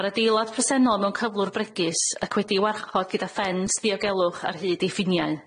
Ma'r adeilad presennol mewn cyflwr bregus ac wedi'i warchod gyda ffens diogelwch ar hyd ei ffiniau.